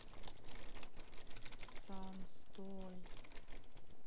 сам стой